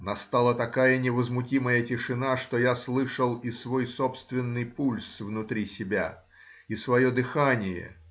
Настала такая невозмутимая тишина, что я слышал и свой собственный пульс внутри себя и свое дыхание